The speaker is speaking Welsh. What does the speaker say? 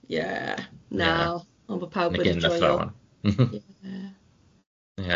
Ie na, ond bo' pawb wedi joio.